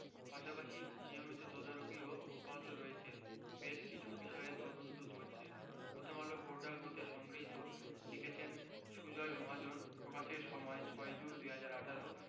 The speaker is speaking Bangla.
পাশাপাশি নিয়মিত তদারকিও অব্যাহত রয়েছে বেশ কিছু বিষয়ে তদন্ত চলছে প্রথমআলো পোর্টাল হতে সংগৃহীত লিখেছেন সুজয় মহাজন প্রকাশের সময় ৬জুন ২০১৮